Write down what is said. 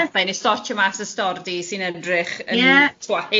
...twtio pethau neu sortio mas y stordy sy'n edrych... Ie